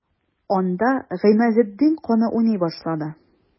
Анда Гыймазетдин каны уйный башлады.